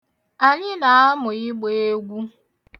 Anyị na-amụ ịgba egwu.